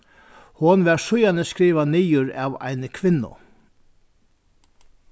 hon varð síðani skrivað niður av eini kvinnu